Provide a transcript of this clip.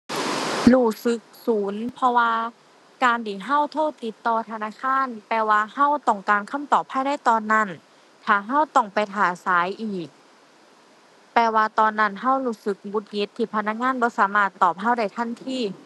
รู้สึกสูน เพราะว่า การที่เราโทรติดต่อธนาคารแปลว่าเราต้องการคำตอบภายในตอนนั้น ถ้าเราต้องไปท่าสายอีก แปลว่าตอนนั้นเรารู้สึกหงุดหงิดที่พนักงานบ่สามารถตอบเราได้ทันที